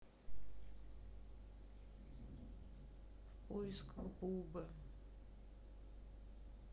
в поисках бубы